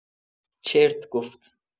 چرت گفت!